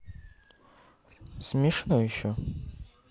смешной еще